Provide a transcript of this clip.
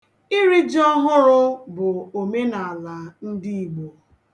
Iri ji ọhụrụ bụ omenaala ndị Igbo.